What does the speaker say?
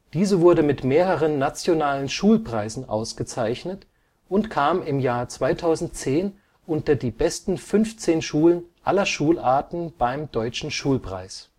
Diese wurde mit mehreren nationalen Schulpreisen ausgezeichnet und kam 2010 unter die besten 15 Schulen aller Schularten beim Deutschen Schulpreis